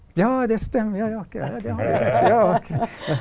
ja det stemmer ja ja okay.